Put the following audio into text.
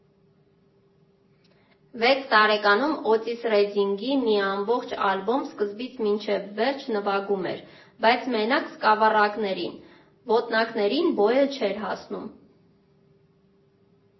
Վեց տարեկանում Օտիս Ռեդինգի մի ամբողջ ալբոմ սկզբից մինչև վերջ նվագում էր, բայց մենակ սկավառակներին՝ ոտնակներին բոյը չէր հասնում»։